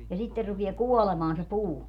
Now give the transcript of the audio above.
ja sitten rupeaa kuolemaan se puu